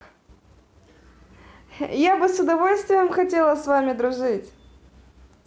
я бы с удовольствием хотела с вами дружить